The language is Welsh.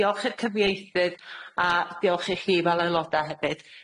Diolch i'r cyfieithydd, a diolch i chi fel aeloda' hefyd.